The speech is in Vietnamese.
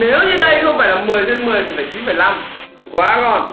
nếu như đây không phải là mười trên mười thì phải chín phẩy lăm quá ngon